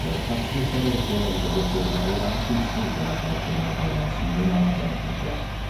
Roedd ffatri Ferodo yn gyflogwr mawr a phwysig yn ardal Caenarfon ers mil naw chwech pedwar.